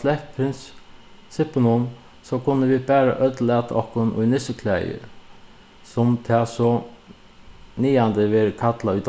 slept prinsippunum so kunnu vit bara øll lata okkum í nissuklæðir sum tað so verður kallað í